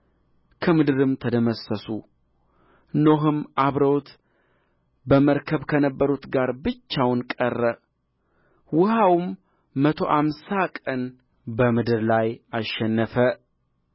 ከምድርም ተደመሰሱ ኖኅም አብረውት በመርከብ ከነበሩት ጋር ብቻውን ቀረ ውኃውም መቶ አምሳ ቀን በምድር ላይ አሸነፈ